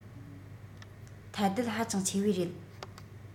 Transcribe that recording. ཐལ རྡུལ ཧ ཅང ཆེ བའི རེད